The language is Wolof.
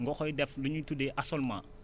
nga koy def lu ñuy tuddee assolement